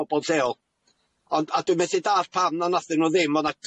bobol lleol ond a dwi methu dalld pam na nathon nw ddim ma' 'na